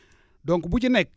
donc bu ci nekk